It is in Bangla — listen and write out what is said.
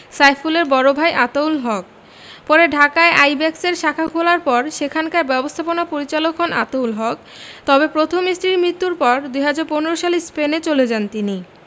সাইফুলের বড় ভাই আতাউল হক পরে ঢাকায় আইব্যাকসের শাখা খোলার পর সেখানকার ব্যবস্থাপনা পরিচালক হন আতাউল হক তবে প্রথম স্ত্রীর মৃত্যুর পর ২০১৫ সালে স্পেনে চলে যান তিনি